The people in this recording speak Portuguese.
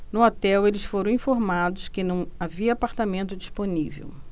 no hotel eles foram informados que não havia apartamento disponível